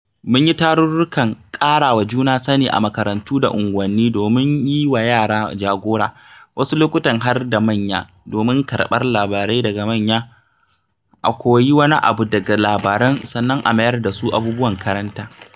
Mun yi tarurrukan ƙarawa juna sani a makarantu da unguwanni domin yi wa yara jagora, wasu lokutan har da manya, domin karɓar labarai daga manya, a koyi wani abu daga labaran, sannan a mayar da su abubuwan karanta.